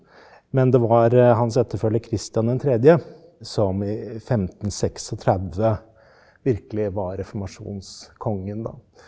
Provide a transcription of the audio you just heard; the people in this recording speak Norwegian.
men det var hans etterfølger Christian den tredje som i 1536 virkelig var reformasjonskongen da.